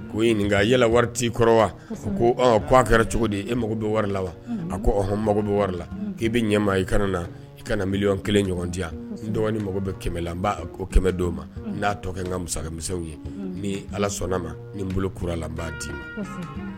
Ko ɲininka yala wari t' i kɔrɔ wa ko k' a kɛra cogo di e mago bɛ wari la wa a koɔn mago bɛ wari la k'i bɛ ɲɛmaa i kana na i kana miɔn kelen ɲɔgɔn di yan dɔgɔnin mago bɛla n' o kɛmɛ di ma n'a tɔ n ka masakɛkisɛw ye ni ala sɔnna ma ni n bolo kura la b'a'i ma